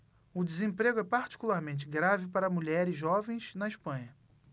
o desemprego é particularmente grave para mulheres jovens na espanha